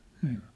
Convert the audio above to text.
niin